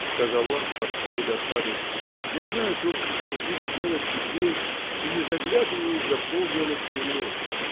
— сказал он с тоской и досадой, — я знаю только, что буду делать теперь, а не заглядываю за полгода вперед.